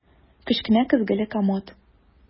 Кечкенә көзгеле комод.